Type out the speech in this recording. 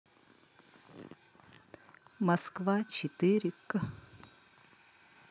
москва четыре к